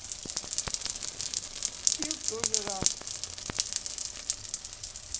phil тоже рад